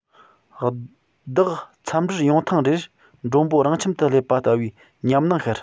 བདག འཚམས འདྲིར ཡོང ཐེངས རེར མགྲོན པོ རང ཁྱིམ དུ སླེབས པ ལྟ བུའི ཉམས སྣང ཤར